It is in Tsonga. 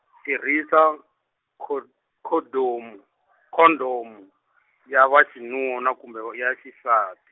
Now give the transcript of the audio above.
tirhisa, khod- khondomu , khondomu, ya va xinuna kumbe wa ya xisati.